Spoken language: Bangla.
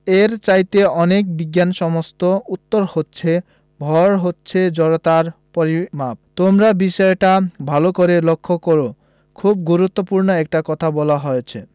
এর চাইতে অনেক বিজ্ঞানসম্মত উত্তর হচ্ছে ভর হচ্ছে জড়তার পরিমাপ তোমরা বিষয়টা ভালো করে লক্ষ করো খুব গুরুত্বপূর্ণ একটা কথা বলা হয়েছে